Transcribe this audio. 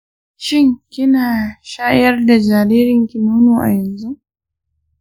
shin kina shayar da jaririnki nono a yanzu?